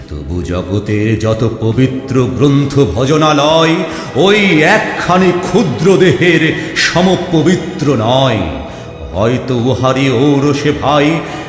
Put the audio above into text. তবু জগতের যত পবিত্র গ্রন্থ ভজনালয় ঐ একখানি ক্ষুদ্র দেহের সম পবিত্র নয় হয়ত ইহারি ঔরসে ভাই